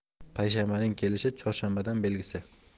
payshanbaning kelishi chorshanbadan belgili